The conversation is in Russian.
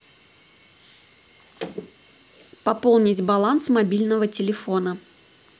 пополнить баланс мобильного телефона